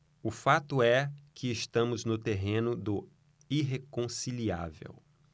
o fato é que estamos no terreno do irreconciliável